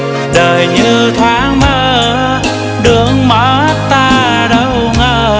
đời như thoáng mơ được mất ta đâu ngờ